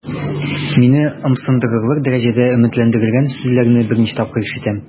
Мине ымсындырырлык дәрәҗәдә өметләндергән сүзләрне беренче тапкыр ишетәм.